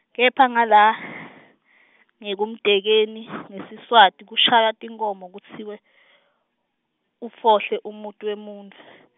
kepha ngalangekumtekeni, ngeSiswati, kushaywa tinkhomo kutsiwe , ufohle umuti wemuntfu.